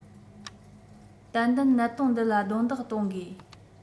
ཏན ཏན གནད དོན འདི ལ རྡུང རྡེག གཏོང དགོས